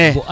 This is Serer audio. ey